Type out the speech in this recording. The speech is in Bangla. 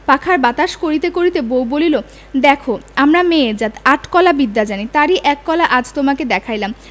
পাখার বাতাস করিতে করিতে বউ বলিল দেখ আমরা মেয়ে জাত আট কলা বিদ্যা জানি তার ই এক কলা আজ তোমাকে দেখাইলাম